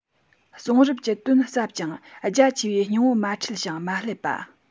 གསུང རབ ཀྱི དོན ཟབ ཅིང རྒྱ ཆེ བའི སྙིང པོ མ འཁྲུལ ཞིང མ བསླད པ